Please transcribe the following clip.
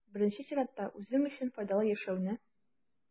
Беренче чиратта, үзең өчен файдалы яшәүне.